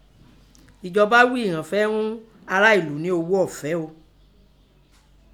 Ẹ̀jọba á ghíi ìnan fẹ́ ún ìnan ará èlú nẹ́ owó ọ̀fẹ́ o.